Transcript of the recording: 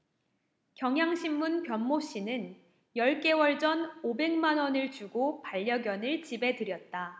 경향신문 변모씨는 열 개월 전 오백 만원을 주고 반려견을 집에 들였다